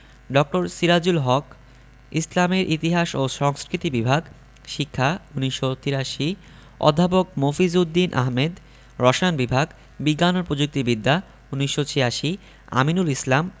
ড. সিরাজুল হক ইসলামের ইতিহাস ও সংস্কৃতি বিভাগ শিক্ষা ১৯৮৩ অধ্যাপক মফিজ উদ দীন আহমেদ রসায়ন বিভাগ বিজ্ঞান ও প্রযুক্তি বিদ্যা ১৯৮৬ আমিনুল ইসলাম